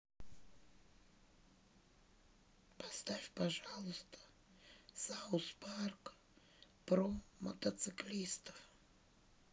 поставь пожалуйста саус парк про мотоциклистов